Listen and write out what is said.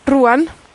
rwan,